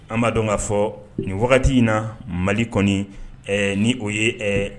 An b' dɔn kaa fɔ nin wagati in na mali kɔni ni o ye